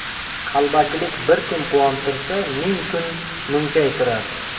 qalbakilik bir kun quvontirsa ming kun munkaytirar